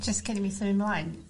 Jys cyn i mi symud mlaen